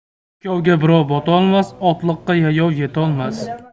ikkovga birov botolmas otliqqa yayov yetolmas